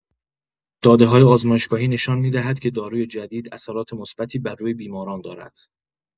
داده‌های آزمایشگاهی نشان می‌دهد که داروی جدید اثرات مثبتی بر روی بیماران دارد.